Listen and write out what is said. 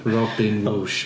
Robin Whoosh.